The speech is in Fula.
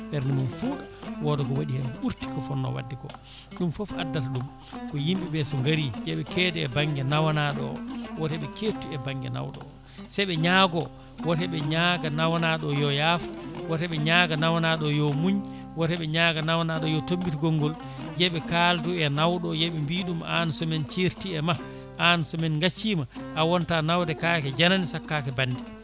ɓernde mum fuuɗa wooda ko waɗi hen ko ɓurti ko fonno wadde ko ɗum foof addata ɗum ko yimɓeɓe so gaari yooɓe keede e banggue nawanaɗo o woto ɓe kettu e banggue naawɗo o sooɓe ñaago wotoɓe ñango nawanaɗo o yo yaafo wotoɓe ñango nawanaɗo o yo muñ wotoɓe ñango nawanaɗo o yo tombito gongol yooɓe kaldu e nawɗo o yooɓe mbiɗum an somin certi e ma an somin gaccima a wonta nawde kaake janane saaka kaake bande